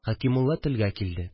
Хәкимулла телгә килде